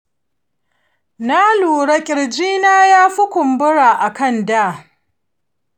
na lura ƙirjina ya fi kumburi akan da.